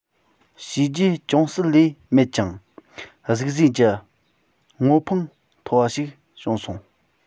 བྱས རྗེས ཅུང ཟད ལས མེད ཀྱང གཟིགས བཟོས ཀྱི ངོ འཕང མཐོ བ ཞིག བྱུང སོང